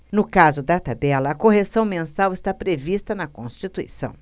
no caso da tabela a correção mensal está prevista na constituição